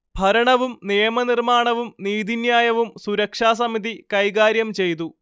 ഭരണവും നിയമനിർമ്മാണവും നീതിന്യായവും സുരക്ഷാസമിതി കൈകാര്യം ചെയ്തു